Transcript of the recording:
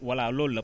voilà loolu la